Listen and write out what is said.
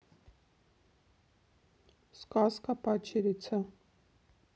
сказка падчерица